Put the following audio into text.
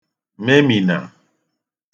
memìnà